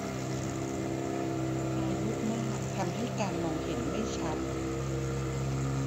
อายุมากทำให้การมองเห็นไม่ชัด